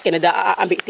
kena de mbi tel